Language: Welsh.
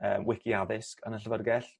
yy wici addysg yn y llfyrgell